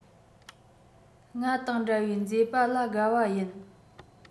ང དང འདྲ བའི མཛེས པ ལ དགའ བ ཡིན